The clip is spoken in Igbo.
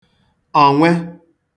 ọ̀nwẹ